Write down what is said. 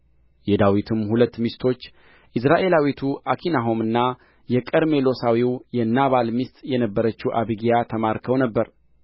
የዳዊትም ሁለቱ ሚስቶቹ ኢይዝራኤላዊቱ አኪናሆምና የቀርሜሎሳዊው የናባል ሚስት የነበረችው አቢግያ ተማርከው ነበር